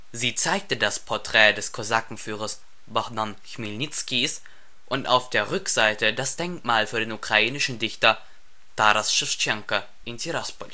Sie zeigte das Porträt des Kosakenführers Bohdan Chmelnyzkyjs und auf der Rückseite das Denkmal für den ukrainischen Dichter Taras Schewtschenko in Tiraspol